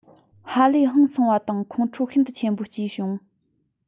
ཧ ལས ཧང སངས པ དང ཁོང ཁྲོ ཤིན ཏུ ཆེན པོ སྐྱེས བྱུང